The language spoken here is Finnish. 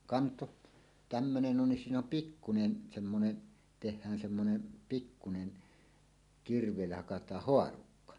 kanto tämmöinen on siinä on pikkuinen semmoinen tehdään semmoinen pikkuinen kirveillä hakataan haarukka